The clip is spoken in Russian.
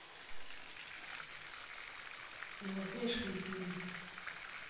белоснежка и семь